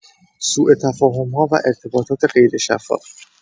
سوء‌تفاهم‌ها و ارتباطات غیرشفاف